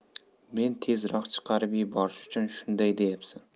meni tezroq chiqarib yuborish uchun shunday deyapsan